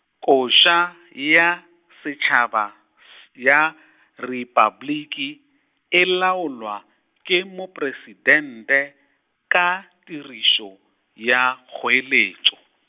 koša, ya, setšhaba, s- ya , Repabliki, e laolwa, ke mopresitente, ka, tirišo, ya, kgoeletšo.